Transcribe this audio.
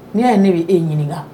N'i'a ye ne b' ee ɲininka